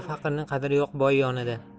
faqirning qadri yo'q boy yonida